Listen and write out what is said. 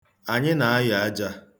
Anyị na-ayọ aja.